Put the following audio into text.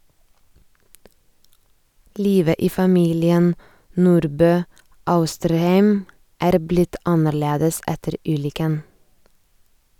Livet i familien Nordbø Austrheim er blitt annerledes etter ulykken.